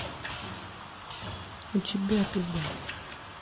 у тебя пизда